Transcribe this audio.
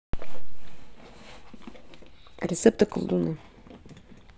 рецепты колдуны